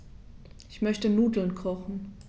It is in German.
Ich möchte Nudeln kochen.